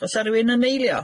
O's 'a rywun yn eilio?